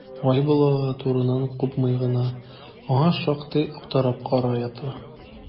Айбулат, урыныннан купмый гына, аңа шактый аптырап карап ятты.